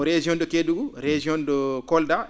région de Kédougou région de Kolda